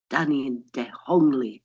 Dan ni'n dehongli.